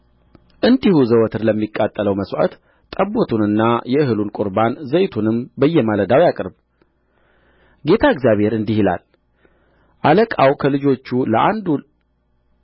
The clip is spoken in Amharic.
እንዲሁ ዘወትር ለሚቃጠለው መሥዋዕት ጠቦቱንና የእህሉን ቍርባን ዘይቱንም በየማለዳው ያቅርብ ጌታ እግዚአብሔር እንዲህ ይላል አለቃው ከልጆቹ ለአንዱ